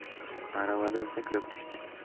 aravadan sakrab tushdi